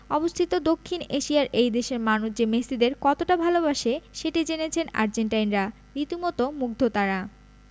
অবস্থিত দক্ষিণ এশিয়ার এই দেশের মানুষ যে মেসিদের কতটা ভালোবাসে সেটি জেনেছেন আর্জেন্টাইনরা রীতিমতো মুগ্ধ তাঁরা